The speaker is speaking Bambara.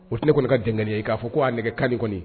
O tɛ ne kɔni ka d kelen ye k'a fɔ ko' aa nɛgɛ ka kɔni